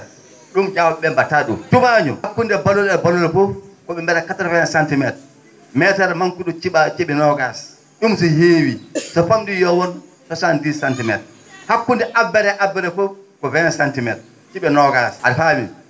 ?um Diaw?e ?ee mba?ataa ?um tubaañoo hakkunde balol e balol fof ko ndeer 80 centimétre meter manku?o ci?a ci?i noogaas ?um si heewii so fam?i yo won 70 centimétre hakkunde abbere e abbere fof ko 20 centimétre ci?e noogaas a faamii